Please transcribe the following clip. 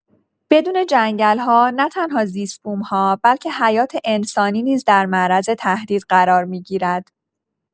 بدون جنگل‌ها نه‌تنها زیست‌بوم‌ها، بلکه حیات انسانی نیز در معرض تهدید قرار می‌گیرد.